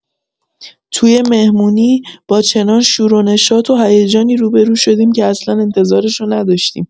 توی مهمونی، با چنان شور و نشاط و هیجانی روبرو شدیم که اصلا انتظارشو نداشتیم.